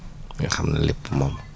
ñu xam ne lépp moom la